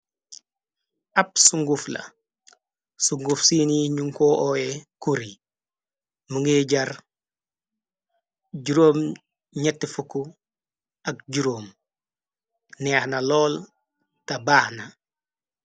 Abb su nguuf la su nguuf sini ñu ko oye kuri mu ngiy jar ju f ak juróom neex na lool te baax na.